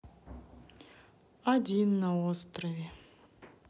один на острове